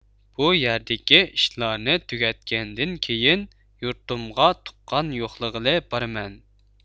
بۇ يەردىكى ئىشلارنى تۈگەتكەندىن كېيىن يۇرتۇمغا تۇغقان يوقلىغىلى بارىمەن